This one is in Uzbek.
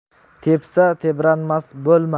tepsa tebranmas bo'lma